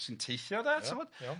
Os ti'n teithio de ti'mod. Ia iawn.